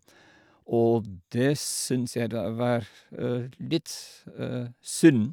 Og det syns jeg da var litt synd.